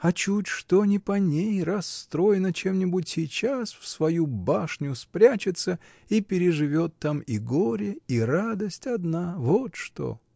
А чуть что не по ней, расстроена чем-нибудь, сейчас в свою башню спрячется и переживает там и горе, и радость — одна. Вот что!